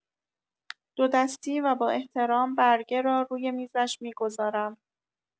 دو دستی و با احترام برگه را روی میزش می‌گذارم.